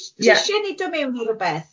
Tisie ni dod mewn rywbeth?